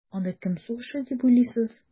Анда кем сугыша дип уйлыйсыз?